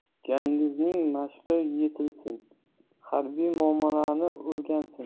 jiyaningizning mashqi yetilsin harbiy muomalani o'rgansin